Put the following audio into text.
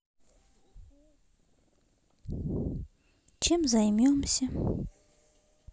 чем займемся